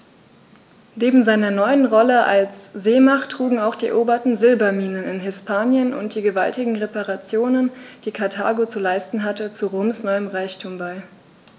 Neben seiner neuen Rolle als Seemacht trugen auch die eroberten Silberminen in Hispanien und die gewaltigen Reparationen, die Karthago zu leisten hatte, zu Roms neuem Reichtum bei.